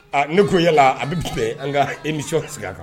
Ne go yala an bɛ fɛ an ka emi sigi a kan